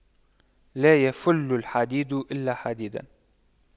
لا يَفُلُّ الحديد إلا الحديد